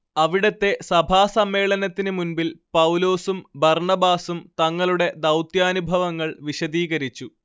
അവിടത്തെ സഭാസമ്മേളനത്തിന് മുൻപിൽ പൗലോസും ബർണ്ണബാസും തങ്ങളുടെ ദൗത്യാനുഭവങ്ങൾ വിശദീകരിച്ചു